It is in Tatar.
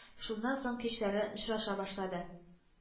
Шуннан соң кичләрен очраша башлады